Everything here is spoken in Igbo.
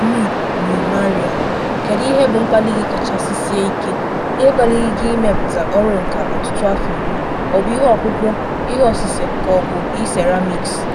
Omid Memarian: Kedu ihe bụ mkpali gị kachasị sie ike, ihe kpaliri gị imepụta ọrụ nkà ọtụtụ afọ iri, ọ bụ ihe ọkpụkpụ, ihe osise, ka ọ bụ ị seremiks?